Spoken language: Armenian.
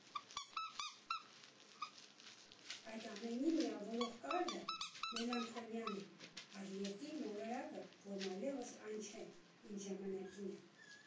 Այդ ամենի միավորող տարրը մելանքոլիան է առ Երկիր մոլորակը, որն այլևս այն չէ, ինչ ժամանակին էր։